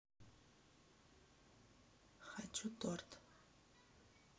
хочу торт